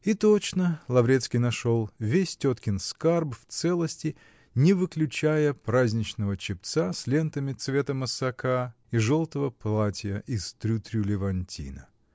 И точно, Лаврецкий нашел весь теткин скарб в целости, не выключая праздничного чепца с лентами цвета массака и желтого платья из трю-трю-левантина.